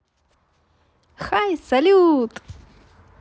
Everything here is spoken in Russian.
хай салют